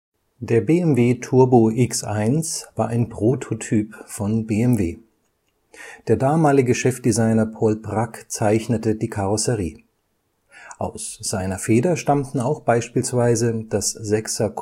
Der BMW Turbo X1 war ein Prototyp von BMW. Der damalige Chef-Designer Paul Bracq zeichnete die Karosserie. Aus seiner Feder stammten auch beispielsweise das 6er